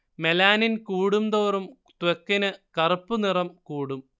melanin കൂടുംതോറും ത്വക്കിന് കറുപ്പു നിറം കൂടും